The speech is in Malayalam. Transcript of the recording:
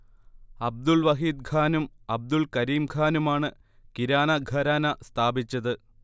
അബ്ദുൽ വഹീദ്ഖാനും അബ്ദുൽ കരീംഖാനുമാണ് കിരാന ഘരാന സ്ഥാപിച്ചത്